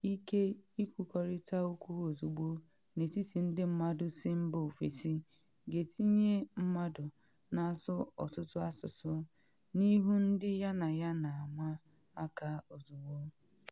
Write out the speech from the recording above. Ịnwe ike ikwukọrịta okwu ozugbo n’etiti ndị mmadụ si mba ofesi ga-etinye mmadụ na asụ ọtụtụ asụsụ n’ihu ndị ya na ya na ama aka ozugbo.